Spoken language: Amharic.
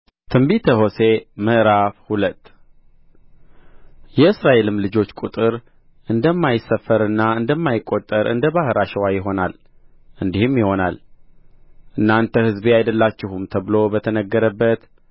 ትንቢተ ሆሴዕ ምዕራፍ ሁለት የእስራኤልም ልጆች ቍጥር እንደማይሰፈርና እንደማይቈጠር እንደ ባሕር አሸዋ ይሆናል እንዲህም ይሆናል እናንተ ሕዝቤ አይደላችሁም ተብሎ በተነገረበት